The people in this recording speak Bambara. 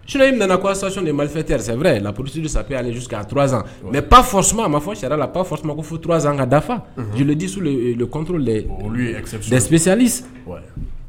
Sinon i nana ko association des malfaiteurs c'est vrai la procédure ça peut aller jusqu'à 3 ans oui mais pas forcement a ma fɔ charia la pas forcement ko fo 3 ans ka dafa unhun je le dis sous le euh le contrôle des olu ye exception ye des spécialistes ouai